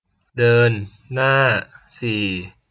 เดินหน้าสี่